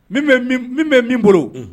Min bɛ min bolo